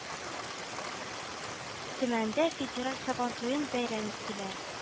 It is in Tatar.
Төмәндә федераль Сабантуен бәйрәм иттеләр